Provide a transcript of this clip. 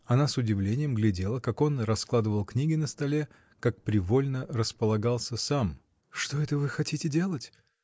Она с удивлением глядела, как он раскладывал книги на столе, как привольно располагался сам. — Что это вы хотите делать?